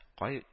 Кай